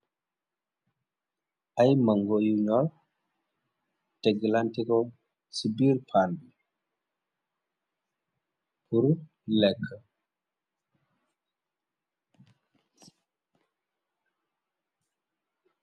Aye mangu yu nyurr teglanteh ku se birr pan purr leke.